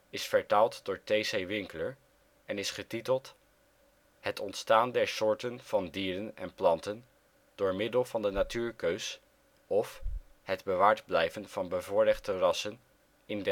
is vertaald door T.C. Winkler en is getiteld ' Het ontstaan der soorten van dieren en planten door middel van de natuurkeus, of, Het bewaard blijven van bevoorregte rassen in den strijd des levens '. De vierde Nederlandse uitgave van 1913 is getiteld: ' Het Ontstaan der soorten door Natuurlijke Teeltkeus, of Het bewaard blijven van bevoorrechte rassen in